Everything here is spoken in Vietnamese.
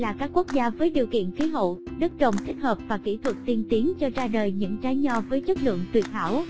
đây là các quốc gia với điều kiện khí hậu đất trồng thích hợp và kỹ thuật tiên tiến cho ra đời những trái nho với chất lượng tuyệt hảo